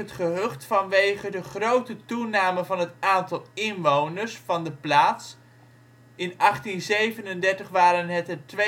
gehucht vanwege de grote toename van het aantal inwoners van de plaats (in 1837 waren het er 237